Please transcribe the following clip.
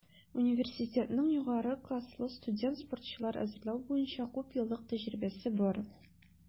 Университетның югары класслы студент-спортчылар әзерләү буенча күпьеллык тәҗрибәсе бар.